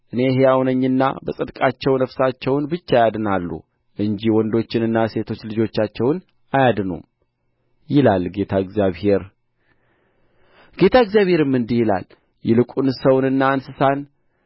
እኔ ሕያው ነኝና በጽድቃቸው ነፍሳቸውን ብቻ ያድናሉ እንጂ ወንዶችንና ሴቶች ልጆቻቸውን አያድኑም ይላል ጌታ እግዚአብሔር ጌታ እግዚአብሔርም እንዲህ ይላል ይልቁንስ ሰውንና እንስሳን